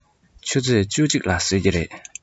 ཆུ ཚོད བཅུ གཅིག ལ གསོད ཀྱི རེད